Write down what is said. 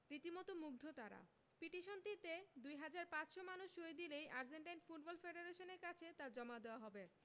রীতিমতো মুগ্ধ তাঁরা পিটিশনটিতে ২ হাজার ৫০০ মানুষ সই দিলেই আর্জেন্টাইন ফুটবল ফেডারেশনের কাছে তা জমা দেওয়া হবে